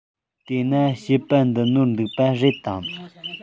དེ ན བཤད པ འདི ནོར འདུག པ རེད དམ